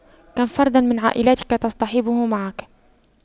كم فرد من عائلتك تصطحبه معك